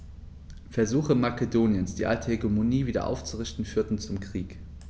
Versuche Makedoniens, die alte Hegemonie wieder aufzurichten, führten zum Krieg.